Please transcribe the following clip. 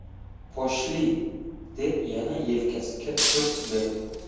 poshli deb yana yelkasiga turtdi